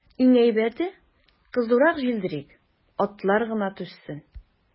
Иң әйбәте, кызурак җилдерик, атлар гына түзсен.